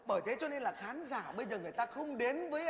bởi thế cho nên là khán giả bây giờ người ta không đến với